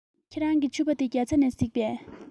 ཁྱེད རང གི ཕྱུ པ དེ རྒྱ ཚ ནས གཟིགས པས